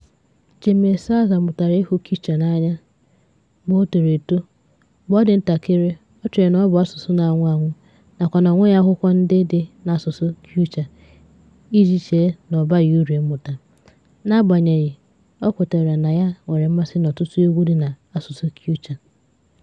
Jaime Salazar mụtara ịhụ Quechua n'anya mgbe o toro eto: mgbe ọ dị ntakịrị, o chere na ọ bụ asụsụ na-anwụ anwụ nakwa na onweghi akwụkwọ ndị dị n'asụsụ Quechua iji chee na ọ baghị uru ịmụta, n'agbanyeghị o kwetara na ya nwere mmasị n'ọtụtụ egwu dị n'asụsụ Quechua.